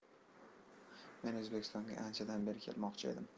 men o'zbekistonga anchadan beri kelmoqchi edim